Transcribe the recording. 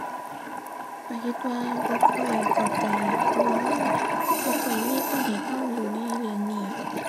ข้อยคิดว่าบ่ค่อยเข้าใจ เพราะว่ามันบ่ค่อยมีคนให้ความรู้ในเรื่องนี้